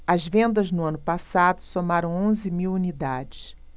as vendas no ano passado somaram onze mil unidades